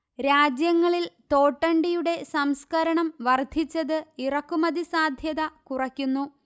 രാജ്യങ്ങളിൽ തോട്ടണ്ടിയുടെ സംസ്കരണം വർധിച്ചത് ഇറക്കുമതി സാധ്യത കുറയ്ക്കുന്നു